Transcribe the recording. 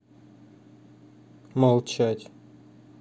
молчать